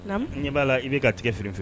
N b'a la i' ka tigɛ feere f feere